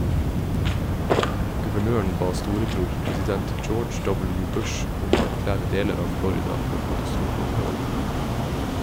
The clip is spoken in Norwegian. Guvernøren ba storebror, president George W. Bush, om å erklære deler av Florida for katastrofeområde.